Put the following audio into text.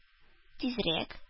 Тизрәк